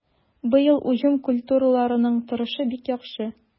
Быел уҗым культураларының торышы бик яхшы.